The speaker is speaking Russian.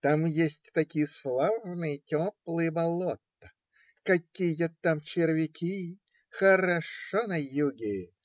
Там есть такие славные теплые болота! Какие там червяки! Хорошо на юге!